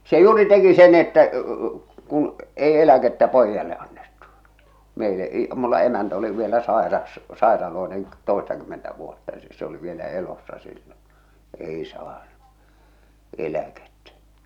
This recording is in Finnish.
se juuri teki sen että kun ei eläkettä pojalle annettu meille - minulla emäntä oli vielä sairas sairaalloinen toistakymmentä vuotta se se oli vielä elossa silloin ei saanut eläkettä